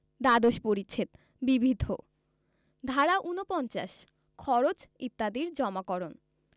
দ্বাদশ পরিচ্ছেদ বিবিধ ধারা ৪৯ খরচ ইত্যাদির জমাকরণ